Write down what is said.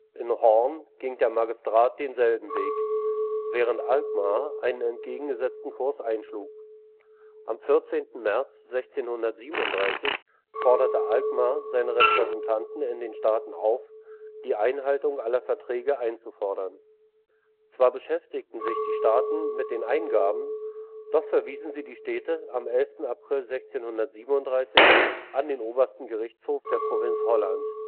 In Hoorn ging der Magistrat denselben Weg, während Alkmaar einen entgegengesetzten Kurs einschlug. Am 14. März 1637 forderte Alkmaar seine Repräsentanten in den Staaten auf, die Einhaltung aller Verträge einzufordern. Zwar beschäftigten sich die Staaten mit den Eingaben, doch verwiesen sie die Städte am 11. April 1637 an den obersten Gerichtshof der Provinz Holland